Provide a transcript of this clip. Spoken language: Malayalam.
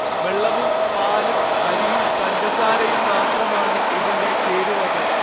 വെള്ളവും പാലും അരിയുംപഞ്ചസാരയും മാത്രമാണ് ഇതിന്റെ ചേരുവകൾ